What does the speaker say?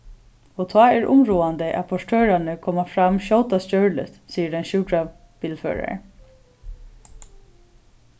og tá er umráðandi at portørarnir koma fram skjótast gjørligt sigur ein sjúkrabilførari